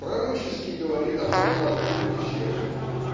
пророчески говорит о Порт-Артуре Чехов